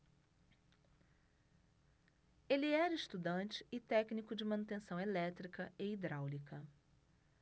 ele era estudante e técnico de manutenção elétrica e hidráulica